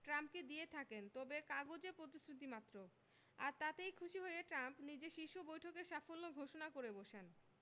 ট্রাম্পকে দিয়ে থাকেন তা কাগুজে প্রতিশ্রুতিমাত্র আর তাতেই খুশি হয়ে ট্রাম্প নিজের শীর্ষ বৈঠকের সাফল্য ঘোষণা করে বসেন